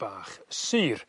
bach sur